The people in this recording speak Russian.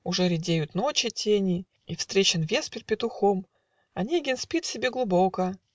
Уже редеют ночи тени И встречен Веспер петухом; Онегин спит себе глубоко.